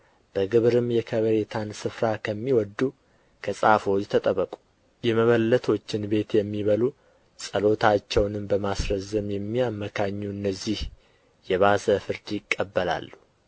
በግብርም የከበሬታን ስፍራ ከሚወዱ ከጻፎች ተጠበቁ የመበለቶችን ቤት የሚበሉ ጸሎታቸውንም በማስረዘም የሚያመካኙ እነዚህ የባሰ ፍርድ ይቀበላሉ